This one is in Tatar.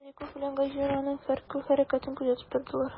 Стариков белән Газинур аның һәр кул хәрәкәтен күзәтеп тордылар.